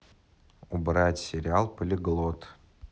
убрать сериал полиглот